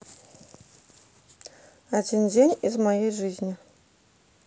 один день из моей жизни